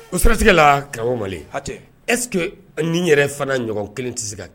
O siratigɛ la karamɔgɔ Malie hatɛ ɛstce que ni yɛrɛ fana ɲɔgɔn kelen tɛ se ka kɛ